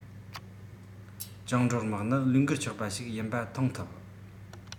བཅིངས འགྲོལ དམག ནི བློས འགེལ ཆོག པ ཞིག ཡིན པ མཐོང ཐུབ